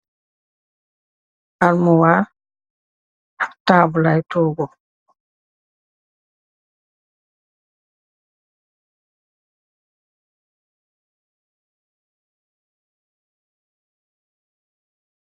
Armuwarr taabal ak toogu.